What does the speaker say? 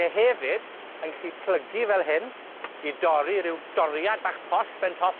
e hefyd yn gallu plygu fel hyn, i dorri ryw doriad bach posh ben top